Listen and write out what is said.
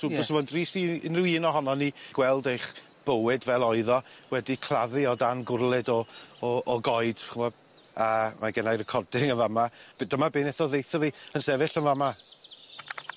by- bysa fo'n drist i un unryw un ohonon ni gweld eich bywyd fel oedd o wedi claddu o dan gwrlid o o o goed ch'mo' a mae gennai recording yn fa' 'ma be- dyma be' neith o ddeutho fi yn sefyll yn fa' 'ma.